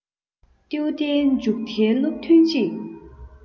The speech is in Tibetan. ཏུའུ ཏེའི མཇུག མཐའི སློབ ཐུན གཅིག